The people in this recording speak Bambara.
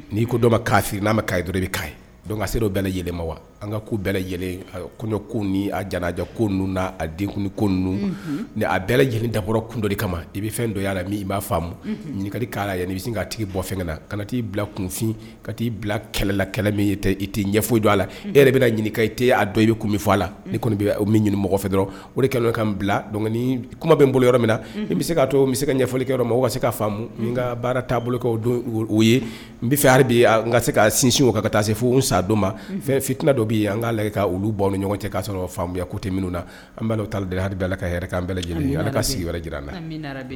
N'i ko dɔn ma ka n'a bɛ ka bɛ dɔn se dɔ bɛɛ ma wa an ka bɛɛ ko ko nija ko ninnuakun ko ninnu a bɛɛ lajɛlen dabɔ kun dɔ de kama i bɛ fɛn dɔ y'a la i'a ɲininkaka k' bɛ' tigi bɔ na kana t'i bila kunfin ka' bila kɛlɛla min i ɲɛfɔ jɔ a la e yɛrɛ bɛ ɲininkaka i'a dɔn i bɛ kun min fɔ a la kɔni min ɲini mɔgɔ fɛ dɔrɔn o kɛlen ka bila kuma bɛ n bolo yɔrɔ min na i bɛ se kaa to bɛ se ka ɲɛfɔli kɛ yɔrɔ ma se k kaa faamu ka baara taabolo bolokaw don ye n bɛ fɛ ka se ka sinsin o ka taa se fo sadon ma fɛn fitina dɔ'i an k'a ka olu baw ni ɲɔgɔn cɛ k'a sɔrɔya kote minnu na an b'a la bɛ ka an lajɛlen ala ka sigin wɛrɛ jira la